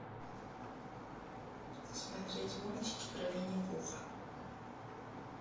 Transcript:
смотреть мультики про винни пуха